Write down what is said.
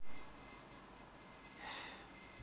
x